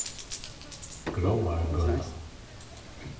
gróvargøta